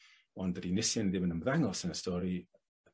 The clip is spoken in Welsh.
ond dydi Nisien ddim yn ymddangos yn y stori,